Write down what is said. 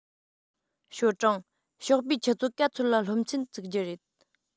ཞའོ ཀྲུང ཞོགས པའི ཆུ ཚོད ག ཚོད ལ སློབ ཚན ཚུགས ཀྱི རེད